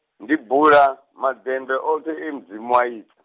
ndi bula, maḓembe oṱhe e Mudzimu aita.